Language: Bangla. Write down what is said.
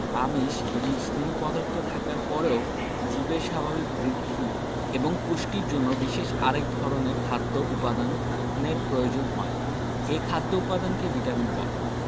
আমিষ এবং স্নেহ পদার্থ থাকার পরেও জীবের স্বাভাবিক বৃদ্ধি এবং পুষ্টির জন্য বিশেষ আরেক ধরনের খাদ্য উপাদানের প্রয়োজন হয় ঐ খাদ্য উপাদানকে ভিটামিন বলে